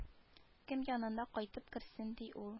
Кем янына кайтып керсен ди ул